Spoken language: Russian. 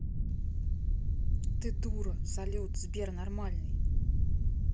ты дура салют сбер нормальный